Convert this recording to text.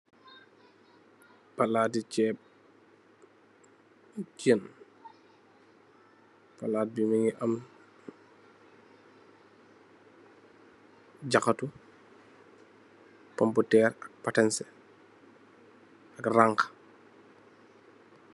Palaati ceeb, ceeb, palaat bi mungi am jaxatu, pomputer, ak batanse, ak rangxe.